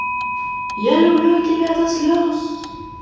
я люблю тебя до слез